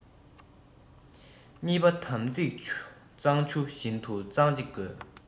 གཉིས པ དམ ཚིག གཙང ཆུ བཞིན དུ གཙང གཅིག དགོས